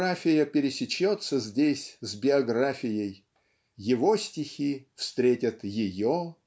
рафия пересечется здесь с биографией его стихи встретят ее